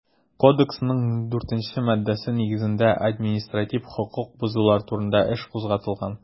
Кодексның 4 нче маддәсе нигезендә административ хокук бозулар турында эш кузгатылган.